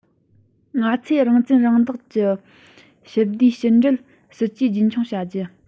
ང ཚོས རང བཙན རང བདག གི ཞི བདེའི ཕྱི འབྲེལ སྲིད ཇུས རྒྱུན འཁྱོངས བྱ རྒྱུ